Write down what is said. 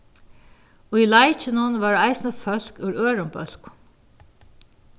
í leikinum vóru eisini fólk úr øðrum bólkum